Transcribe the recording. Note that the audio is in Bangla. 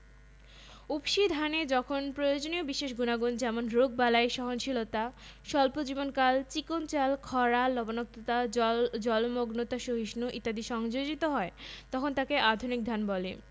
সংগৃহীত জাতীয় শিক্ষাক্রম ও পাঠ্যপুস্তক বোর্ড বাংলাদেশ কৃষি শিক্ষা বই এর অন্তর্ভুক্ত